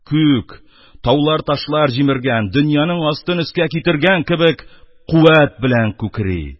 Күк, таулар-ташлар җимергән, дөньяның астын өскә китергән кебек, куәт белән күкри.